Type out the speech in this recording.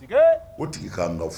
O tigi k'an dɔ fɛ